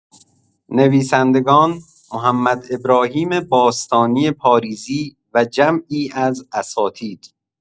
نویسندگان: محمدابراهیم باستانی پاریزی و جمعی از اساتید